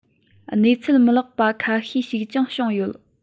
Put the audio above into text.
གནས ཚུལ མི ལེགས པ ཁ ཤས ཤིག ཀྱང བྱུང ཡོད